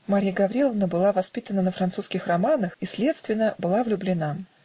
Марья Гавриловна была воспитана на французских романах, и, следственно, была влюблена.